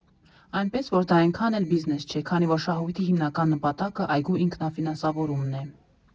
Այնպես որ դա այնդքան էլ բիզնես չէ, քանի որ շահույթի հիմնական նպատակը այգու ինքնաֆինանսավորումն է։